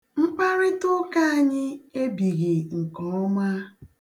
Mkparịtaụka anyị ebighi nke ọma.